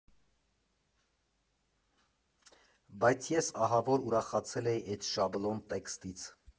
Բայց ես ահավոր ուրախացել էի էդ շաբլոն տեքստից։